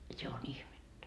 se on ihmettä